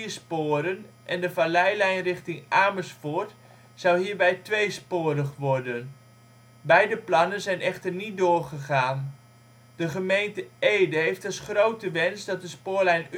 sporen en de Valleilijn richting Amersfoort zou hierbij tweesporig worden. Beide plannen zijn echter niet doorgegaan. De gemeente Ede heeft als grote wens dat de spoorlijn Utrecht